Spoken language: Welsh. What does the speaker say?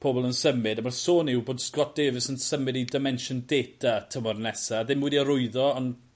pobol yn symud a ma'r sôn yw bod Scott Davis yn symud i Dimension Data tymor nesa ddim wedi arwyddo on'